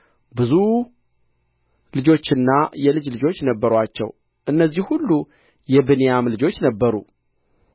ብዙ ልጆችና የልጅ ልጆች ነበሩአቸው እነዚህ ሁሉ የብንያም ልጆች ነበሩ